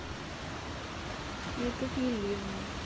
ютуб елена